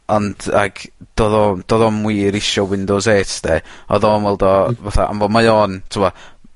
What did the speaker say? ond ag do'dd o, do'dd o'm wir isio Windows eight 'de. Odd o'n weld o fatha on' ma' mae o'n t'mo'